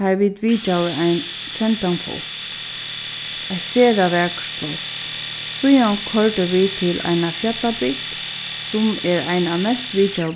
har vit vitjaðu ein kendan foss eitt sera vakurt pláss síðan koyrdu vit til eina fjallabygd sum er ein av mest vitjaðu